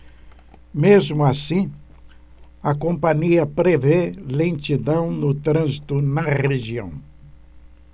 mesmo assim a companhia prevê lentidão no trânsito na região